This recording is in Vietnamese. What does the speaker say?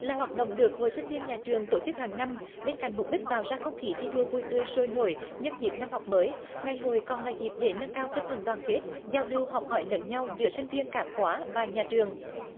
là hoạt động được hội sinh viên nhà trường tổ chức hàng năm bên cạnh mục đích tạo ra không khí thi đua vui tươi sôi nổi nhân dịp năm học mới ngày hội còn là dịp để nâng cao tinh thần đoàn kết giao lưu học hỏi lẫn nhau giữa sinh viên cả khóa và nhà trường